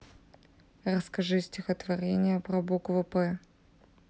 расскажи стихотворение про букву п